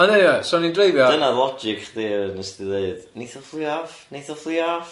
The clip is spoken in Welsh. A neu- so o'n i'n dreifio. Dyna'r logic chdi wnes di ddeud, neith o fflio off, neith off.